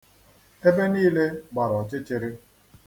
Ebe niile gbara ọchịchịrị